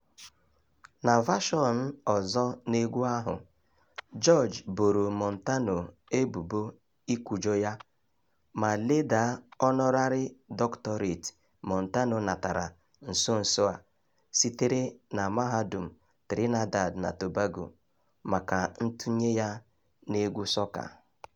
Na vashọn ọzọ n'egwu ahụ, George boro Montano ebubo "Ikwujọ" ya, ma ledaa ọnọrarị dọkụtọreti Montano natara nso nso a sitere na Mahadum Trinidad na Tobago maka ntụnye ya n'egwu sọka.